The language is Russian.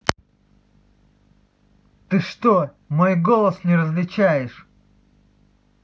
ты что мой голос не различаешь что ли